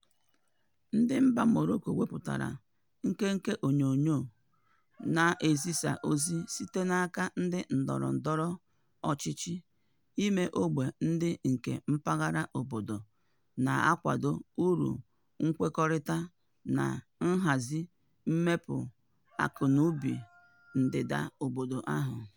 Ndị mba Moroko wepụtara nkenke onyonyo nke na-ezisaozi site n'aka ndị ndọrọ ndọrọ ọchịchị ime ogbe na ndị nke mpaghara obodo na-akwado uru nkwekọrịta na nhazi mmepe akụnaụba n'Ndịda obodo ahụ.